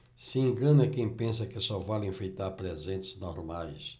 se engana quem pensa que só vale enfeitar presentes normais